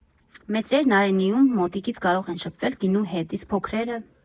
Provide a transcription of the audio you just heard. Մեծերն Արենիում մոտիկից կարող են շփվել գինու հետ, իսկ փոքրե՞րը։